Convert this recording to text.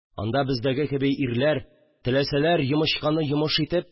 Анда, бездәге кеби, ирләр, теләсәләр, йомычканы йомыш итеп